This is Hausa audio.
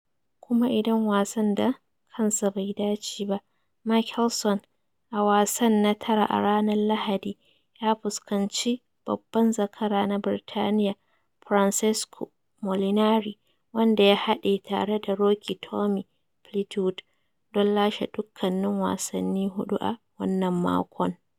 Kuma idan wasan da kansa bai dace ba, Mickelson, a wasan na tara a ranar Lahadi, ya fuskanci babban zakara na Birtaniya Francesco Molinari, wanda ya haɗe tare da rookie Tommy Fleetwood don lashe dukkanin wasanni hudu a wannan makon.